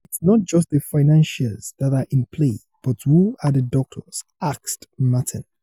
"It's not just the financials that are in play, but who are the doctors?" asked Martin.